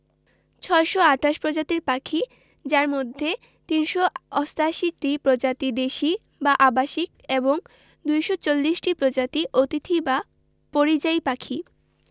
৬২৮ প্রজাতির পাখি যার মধ্যে ৩৮৮টি প্রজাতি দেশী বা আবাসিক এবং ২৪০ টি প্রজাতি অতিথি বা পরিযায়ী পাখি